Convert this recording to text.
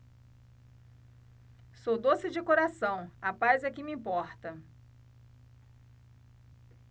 sou doce de coração a paz é que me importa